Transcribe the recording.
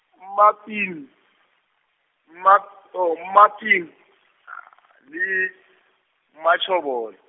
Mmaping, Mma- oh, Mmaping le, Mmatjhobolo.